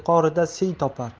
yuqoridan siy topar